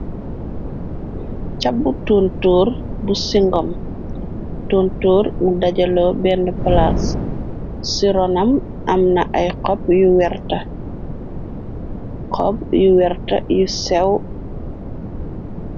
Cabb tuuntuur bu singom. Tuntuur mu dajalo benn palaas. ci ronam, am na ay xob y wrxob yu werta yu sew.